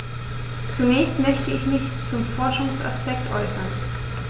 Zunächst möchte ich mich zum Forschungsaspekt äußern.